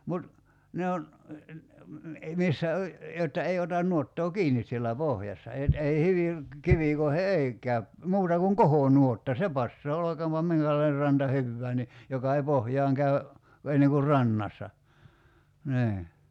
mutta ne on missä on jotta ei ota nuottaa kiinni siellä pohjassa että ei hyvin kivikoihin ei käy muuta kuin kohonuotta se passaa olkoonpa minkälainen ranta hyvään niin joka ei pohjaan käy ennen kuin rannassa niin